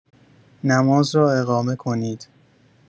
نماز را اقامه کنید